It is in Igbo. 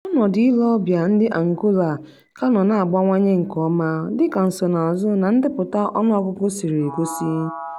Ọnọdụ ịle ọbịa ndị Angola ka nọ na-abawanye nkeọma, dịka nsonazụ na ndepụta ọnụọgụgụ siri egosi.